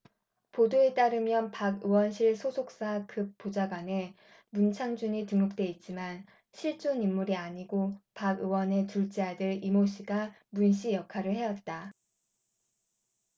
보도에 따르면 박 의원실 소속 사 급 보좌관에 문창준이 등록돼 있지만 실존 인물이 아니고 박 의원의 둘째 아들 이모 씨가 문씨 역할을 해왔다